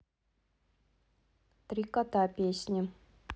три кота песни